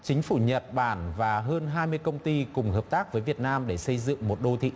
chính phủ nhật bản và hơn hai mươi công ty cùng hợp tác với việt nam để xây dựng một đô thị